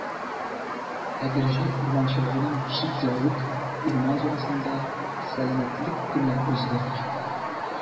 Әгерҗе урманчылыгының «Чикләвек» урман зонасында Сәламәтлек көне узды.